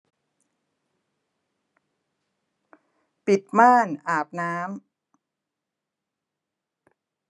ปิดม่านอาบน้ำ